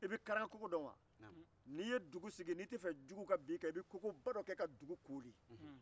n'i ye dugu sigi n'i t'a fe juguw ka bin i kan i bɛ kogoba dɔ koori